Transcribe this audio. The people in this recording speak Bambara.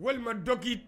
Walimadɔki